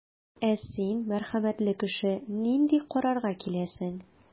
Ә син, мәрхәмәтле кеше, нинди карарга киләсең?